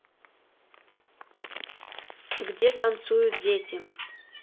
где танцуют дети